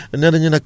waaw vaaw